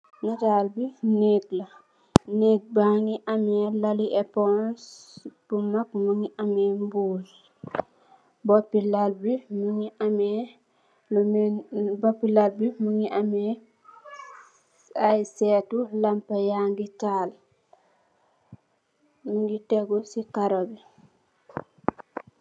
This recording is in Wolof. Neetal bi neeg la neeg Bai ameh laali epongs bu maak mogi ameh buss poohpi laal bi mogi ameh ay seetu lampa yangi taal mogi tegeh si karo bi.